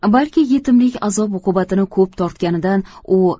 balki yetimlik azob uqubatini ko'p tortganidan u